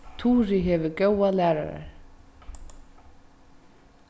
turið hevur góðar lærarar